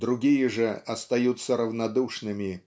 другие же остаются равнодушными